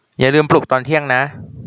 อย่าลืมปลุกตอนเที่ยงนะ